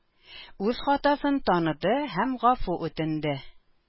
Үз хатасын таныды һәм гафу үтенде.